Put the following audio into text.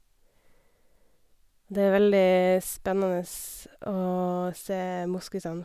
Det er veldig spennende å se moskusene.